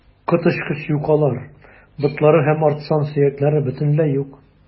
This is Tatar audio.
Коточкыч юкалар, ботлары һәм арт сан сөякләре бөтенләй юк.